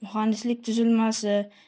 muhandislik tuzilmasi